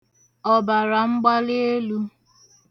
ọ̀bàràmgbalịelū